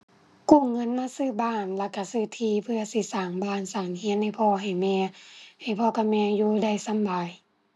กู้เงินมาซื้อบ้านแล้วก็ซื้อที่เพื่อสิสร้างบ้านสร้างก็ให้พ่อให้แม่ ให้พ่อกับแม่อยู่ได้สำบาย